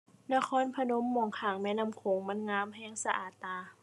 นครพนมหม้องข้างแม่น้ำโขงมันงามแรง สะอาดตา